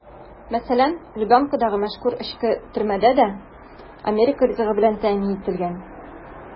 Мәсәлән, Лубянкадагы мәшһүр эчке төрмә дә америка ризыгы белән тәэмин ителгән.